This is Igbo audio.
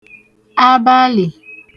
abalì